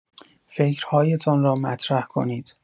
فکرهایتان را مطرح کنید.